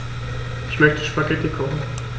Ich möchte Spaghetti kochen.